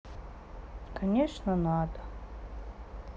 конечно надо